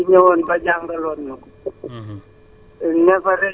ndax am na projet bu fi ñëwoon ba jàngaloon ñu ko